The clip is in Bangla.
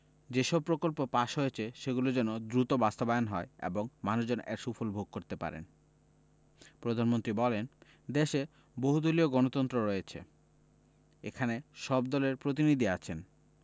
যেসব প্রকল্প পাস হয়েছে সেগুলো যেন দ্রুত বাস্তবায়ন হয় এবং মানুষ যেন এর সুফল ভোগ করতে পারেন প্রধানমন্ত্রী বলেন দেশে বহুদলীয় গণতন্ত্র রয়েছে এখানে সব দলের প্রতিনিধি আছেন